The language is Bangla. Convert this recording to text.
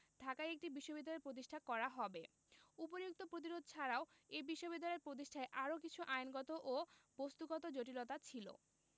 ঢাকায় একটি বিশ্ববিদ্যালয় প্রতিষ্ঠা করা হবে উপরিউক্ত প্রতিরোধ ছাড়াও এ বিশ্ববিদ্যালয় প্রতিষ্ঠায় আরও কিছু আইনগত ও বস্ত্তগত জটিলতা ছিল